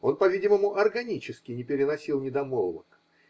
Он, по видимому, органически не переносил недомолвок.